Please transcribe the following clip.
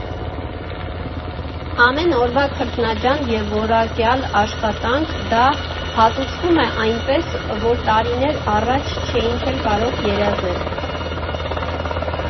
Ամեն օրվա քրտնաջան և որակյալ աշխատանք՝ դա հատուցվում է այնպես, որ տարիներ առաջ չէինք էլ կարող երազել։